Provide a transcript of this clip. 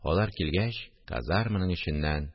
Алар килгәч, казарманың эченнән: